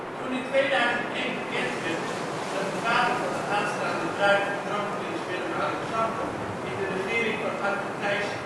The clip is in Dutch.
Toen in 2001 bekend werd dat de vader van de aanstaande bruid van kroonprins Willem-Alexander in de regering van Argentijnse